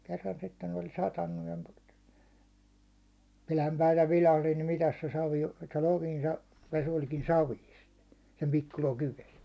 kerran sitten oli satanut ja pilanpäin vähän vilahdin niin mitäs se savi on että lokin - vesi olikin savista sen pikku lokin vesi